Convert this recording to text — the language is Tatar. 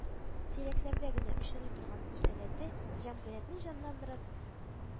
Сирәкләрдә генә очрый торган бу сәләте җәмәгатьне җанландырып,